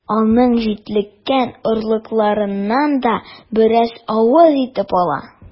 Аның җитлеккән орлыкларыннан да бераз авыз итеп ала.